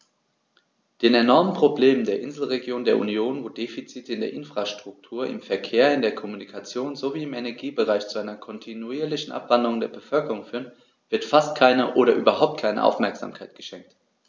Den enormen Problemen der Inselregionen der Union, wo die Defizite in der Infrastruktur, im Verkehr, in der Kommunikation sowie im Energiebereich zu einer kontinuierlichen Abwanderung der Bevölkerung führen, wird fast keine oder überhaupt keine Aufmerksamkeit geschenkt.